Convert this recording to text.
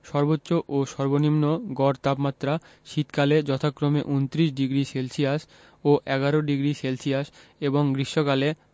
সর্বোচ্চ ও সর্বনিম্ন গড় তাপমাত্রা শীতকালে যথাক্রমে ২৯ ডিগ্রি সেলসিয়াস ও ১১ডিগ্রি সেলসিয়াস এবং গ্রীষ্মকালে